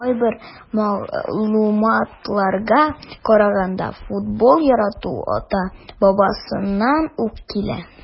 Кайбер мәгълүматларга караганда, футбол яратуы ата-бабасыннан ук килә.